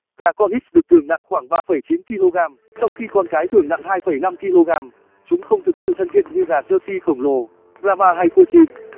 gà cornish đực thường nặng khoảng kg trong khi con cái thường nặng kg chúng không thực sự thân thiện như gà jersey khổng lồ brahma hay cochin